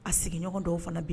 A sigiɲɔgɔn dɔw fana be ye